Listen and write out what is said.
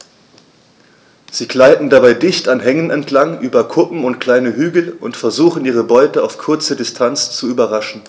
Sie gleiten dabei dicht an Hängen entlang, über Kuppen und kleine Hügel und versuchen ihre Beute auf kurze Distanz zu überraschen.